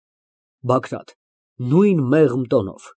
ԲԱԳՐԱՏ ֊ (Նույն մեղմ տոնով)։